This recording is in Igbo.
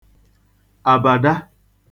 àbàda